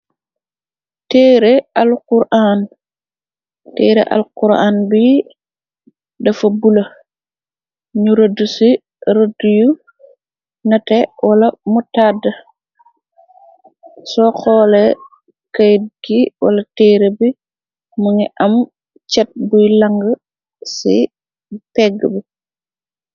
Teere alkuraan, teere alquran bi dafa bule ñu rëddi ci rëddi yu nate wala mutàdda soo xoole këyet gi wala teere bi mu ngi am cet buy lang ci pegge bi.